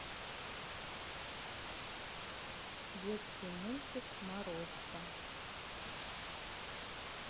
детский мультик морозко